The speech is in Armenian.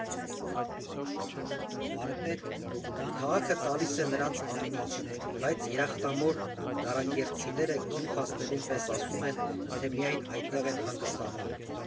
Քաղաքը տալիս է նրանց ամեն ինչ, բայց երախտամոռ դարակերտցիները գյուղ հասնելուն պես ասում են, թե միայն այդտեղ են հանգստանում։